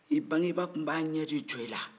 i bangebaa tun b'a ɲɛ de jɔ i la